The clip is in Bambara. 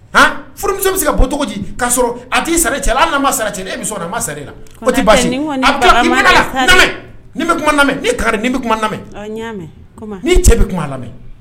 Ba , Furumuso bɛ se ka bɔ cogo di k'a sɔrɔ a t'i sara cɛ la, hali n'a ma sara cɛ la, e bɛ so kɔnɔ a t'i sara e la, o t'i baasi ye. Konatɛ nin kɔni ye bagaman ye dɛ. N lamɛn, ni n bɛ kuma , n lamɛɲ. Ni cɛ bɛ kuma,a lamɛn. Ɔ n y'a mɛn Kuma, ni cɛ bɛ kuma, a lamɛn.